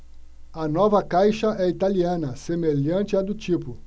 a nova caixa é italiana semelhante à do tipo